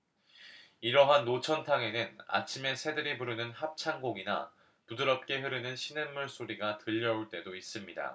이러한 노천탕에는 아침에 새들이 부르는 합창곡이나 부드럽게 흐르는 시냇물 소리가 들려올 때도 있습니다